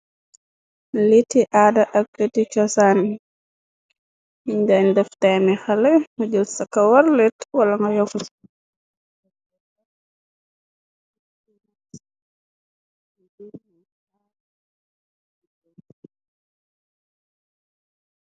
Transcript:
Liti aada ak riti cosaani yiñ, daañ daf taymi xale mujël ca ka warlet wala nga yoks.